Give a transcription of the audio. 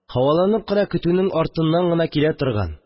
Һаваланып кына көтүнең артыннан гына килә торган